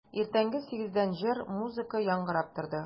Иртәнге сигездән җыр, музыка яңгырап торды.